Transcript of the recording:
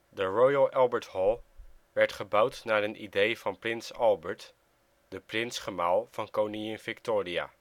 De Royal Albert Hall werd gebouwd naar een idee van Prins Albert, de prins-gemaal van Koningin Victoria